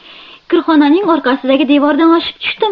kirxonaning orqasidagi devordan oshib tushdim